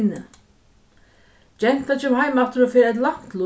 gentan kemur heim aftur og fær eitt langt lív